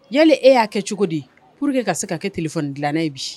Yali e y'a kɛ cogo di pour que ka se ka kɛ t kunnafoni dilannen ye bi